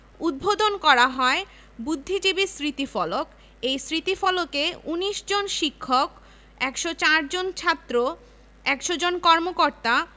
৭১ এর ২৫ মার্চ রাতে পাকিস্তান বাহিনী অপারেশন সার্চলাইট নামে অতর্কিতে ঢাকা বিশ্ববিদ্যালয়ের ছাত্রছাত্রী শিক্ষক কর্মকর্তা কর্মচারীদের উপর হামলা করলে অনেকে শহীদ হন